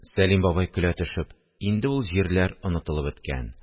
Сәлим бабай, көлә төшеп: – Инде ул җирләр онытылып беткән